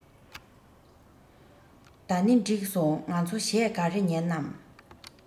ད ནི གྲིགས སོང ང ཚོ གཞས ག རེ ཉན ནམ